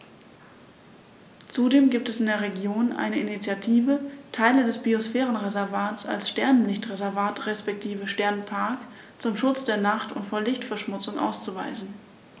Zudem gibt es in der Region eine Initiative, Teile des Biosphärenreservats als Sternenlicht-Reservat respektive Sternenpark zum Schutz der Nacht und vor Lichtverschmutzung auszuweisen.